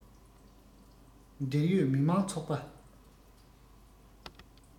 འབྲེལ ཡོད མི དམངས ཚོགས པ